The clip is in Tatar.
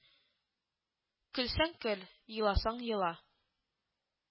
Көлсәң - көл, еласаң – ела